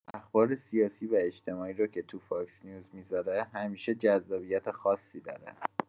اخبار سیاسی و اجتماعی رو که تو فاکس‌نیوز می‌ذاره، همیشه جذابیت خاصی داره.